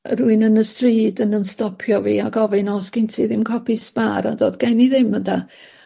yy rywun yn y stryd yn 'yn stopio fi a gofyn o's gen ti ddim copi sbâr a do'dd gen i ddim ynde